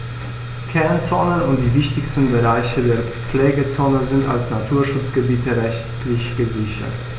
Kernzonen und die wichtigsten Bereiche der Pflegezone sind als Naturschutzgebiete rechtlich gesichert.